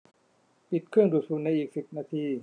ปิดเครื่องดูดฝุ่นในอีกสิบนาที